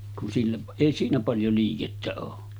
kun sille ei siinä paljon liikettä ole